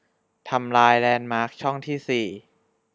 ทำลายแลนด์มาร์คช่องที่สี่